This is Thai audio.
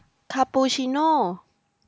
คาปูชิโน่